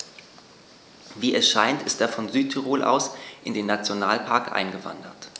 Wie es scheint, ist er von Südtirol aus in den Nationalpark eingewandert.